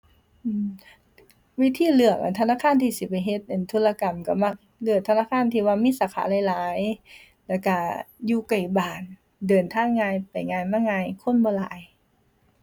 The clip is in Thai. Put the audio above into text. อือ วิธีเลือก อั่น ธนาคารที่สิไปเฮ็ด อั่น ธุรกรรมก็มักเลือกธนาคารที่ว่ามีสาขาหลายหลายแล้วก็อยู่ใกล้บ้าน เดินทางง่าย ไปง่ายมาง่าย คนบ่หลาย